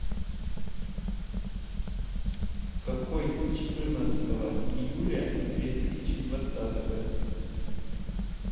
какой четырнадцатого июля две тысячи двадцатого